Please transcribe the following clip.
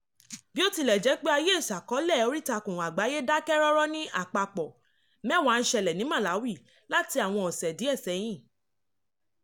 Bí ó tilẹ̀ jẹ́ pé àyè ìṣàkọọ́lẹ̀ oríìtakùn àgbáyé dákẹ́ rọ́rọ́ ní àpapọ̀, mẹ́wàá ń ṣẹlẹ̀ ní Malawi láti àwọn ọ̀sẹ̀ díẹ̀ sẹ́yìn.